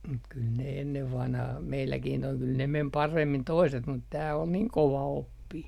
mutta kyllä ne ennen vanhaan meilläkin tuo kyllä ne meni paremmin toiset mutta tämä oli niin kovaoppinen